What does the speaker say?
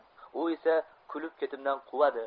u esa kulib ketimdan quvadi